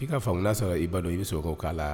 K'i ka fangamua sɔrɔ i b ba dɔn i bɛ sogoɔgɔ k'a la